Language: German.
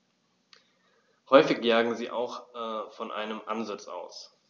Häufig jagen sie auch von einem Ansitz aus.